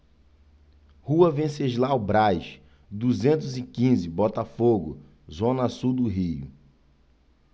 rua venceslau braz duzentos e quinze botafogo zona sul do rio